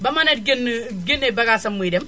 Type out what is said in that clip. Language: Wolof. ba mën a géñn géñne bagage am muy dem